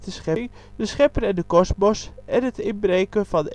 schepping, de schepper en de kosmos en het inbreken van